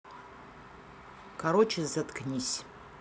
короче заткнись